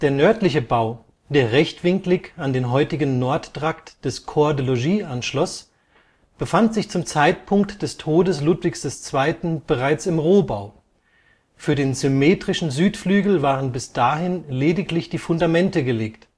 nördliche Bau, der rechtwinklig an den heutigen Nordtrakt des Corps de Logis anschloss, befand sich zum Zeitpunkt des Todes Ludwigs II. bereits im Rohbau, für den symmetrischen Südflügel waren bis dahin lediglich die Fundamente gelegt